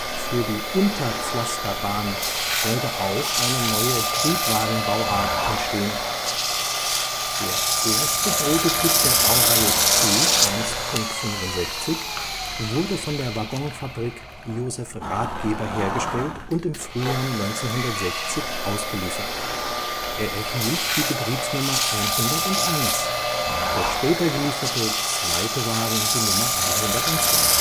Für die Unterpflasterbahn sollte auch eine neue Triebwagenbauart entstehen. Der erste Prototyp der Baureihe P 1.65 wurde von der Waggonfabrik Josef Rathgeber hergestellt und im Frühjahr 1960 ausgeliefert. Er erhielt die Betriebsnummer 101, der später gelieferte zweite Wagen die Nummer 102